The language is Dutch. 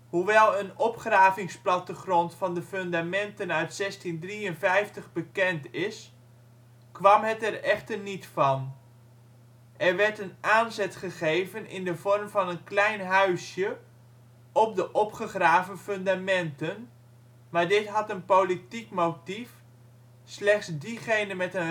Hoewel een opgravingsplattegrond van de fundamenten uit 1653 bekend is, kwam het er echter niet van. Er werd een aanzet gegeven in de vorm van een klein huisje op de opgegraven fundamenten, maar dit had een politiek motief: slechts diegene met een